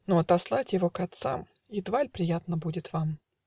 Но отослать его к отцам Едва ль приятно будет вам.